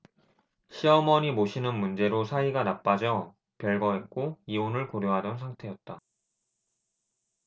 시어머니 모시는 문제로 사이가 나빠져 별거했고 이혼을 고려하던 상태였다